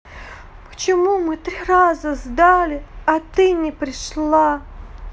почему мы три раза сдали а ты не пришла